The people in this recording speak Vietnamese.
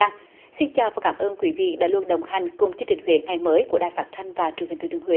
gian xin chào và cảm ơn quý vị đã luôn đồng hành cùng chương trình huyền ngày mới của đài phát thanh và truyền hình từ từ huế